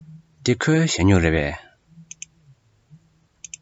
འདི ཁོའི ཞ སྨྱུག རེད པས